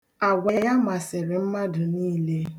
Agwa ya masịrị mmadụ niile.